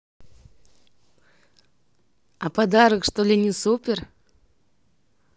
а подарок что ли не супер